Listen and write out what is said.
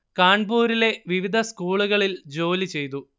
കാൺപൂരിലെ വിവിധ സ്കൂളുകളിൽ ജോലി ചെയ്തു